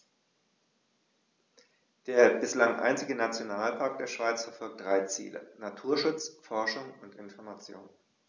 Der bislang einzige Nationalpark der Schweiz verfolgt drei Ziele: Naturschutz, Forschung und Information.